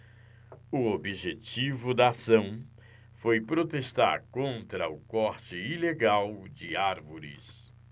o objetivo da ação foi protestar contra o corte ilegal de árvores